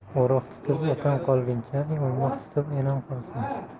o'roq tutib otang qolguncha o'ymoq tutib enang qolsin